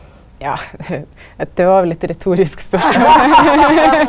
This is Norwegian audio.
ja det var vel eit retorisk spørsmål.